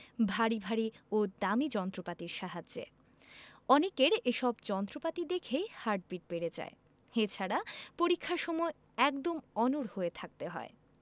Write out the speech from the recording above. ভারী ভারী ও দামি যন্ত্রপাতির সাহায্যে অনেকের এসব যন্ত্রপাতি দেখেই হার্টবিট বেড়ে যায় এছাড়া পরীক্ষার সময় একদম অনড় হয়ে থাকতে হয়